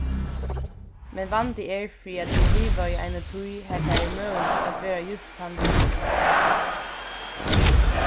men vandi er fyri at vit liva í eini tíð har tað er møguligt at vera júst tann tú vilt